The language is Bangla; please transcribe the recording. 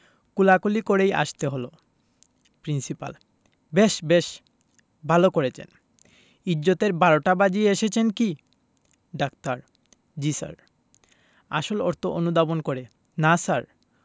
কোলাকুলি করেই আসতে হলো প্রিন্সিপাল বেশ বেশ ভালো করেছেন ইজ্জতের বারোটা বাজিয়ে এসেছেন কি ডাক্তার জ্বী স্যার আসল অর্থ অনুধাবন করে না স্যার